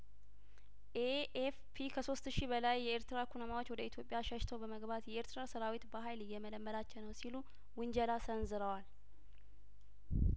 ኤኤፍፒ ከሶስት ሺ በላይ የኤርትራ ኩናማዎች ወደ ኢትዮጵያ ሸሽተው በመግባት የኤርትራ ሰራዊት በሀይል እየመለመላቸው ነው ሲሉ ውንጀላ ሰንዝረዋል